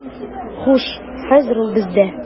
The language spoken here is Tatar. Хуш, хәзер ул бездә.